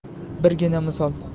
birgina misol